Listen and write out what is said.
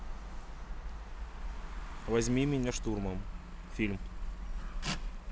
возьми меня штурмом фильм